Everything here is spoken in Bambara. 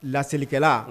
Laselilikɛla